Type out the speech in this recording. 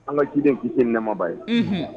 An ka jiden kisi nɛmaba ye